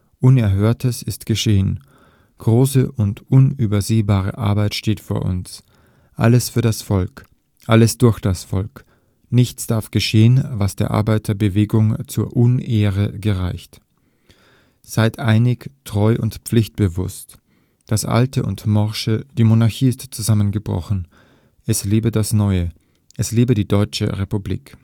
Unerhörtes ist geschehen. Große und unübersehbare Arbeit steht uns bevor. Alles für das Volk. Alles durch das Volk. Nichts darf geschehen, was der Arbeiterbewegung zur Unehre gereicht. Seid einig, treu und pflichtbewusst. Das alte und morsche, die Monarchie ist zusammengebrochen. Es lebe das Neue. Es lebe die deutsche Republik